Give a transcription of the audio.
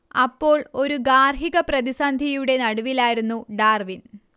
അപ്പോൾ ഒരു ഗാർഹിക പ്രതിസന്ധിയുടെ നടുവിലായിരുന്നു ഡാർവിൻ